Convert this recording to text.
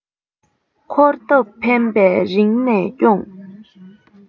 འཁོར འདབས ཕན པས རིང ནས སྐྱོང